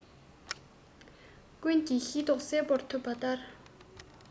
ཀུན གྱིས ཤེས རྟོགས གསལ པོ ཐུབ པ ལྟར